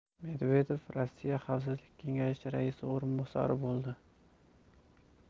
medvedev rossiya xavfsizlik kengashi raisi o'rinbosari bo'ladi